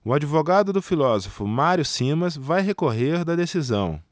o advogado do filósofo mário simas vai recorrer da decisão